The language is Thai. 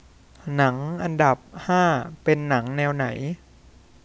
หนังอันดับห้าเป็นหนังแนวไหน